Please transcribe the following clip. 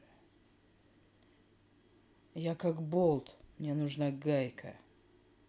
я как болт мне нужна гайка